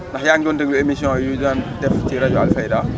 ndax yaa ngi doon déglu émissions yu ñu daan def ci rajo alfayda